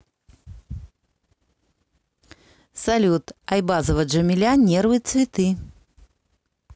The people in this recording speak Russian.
салют айбазова джамиля нервы цветы